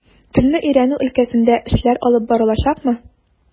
Телне өйрәнү өлкәсендә эшләр алып барылачакмы?